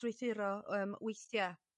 strwythuro yym weithia'.